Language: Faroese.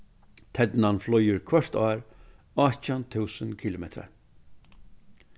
ternan flýgur hvørt ár átjan túsund kilometrar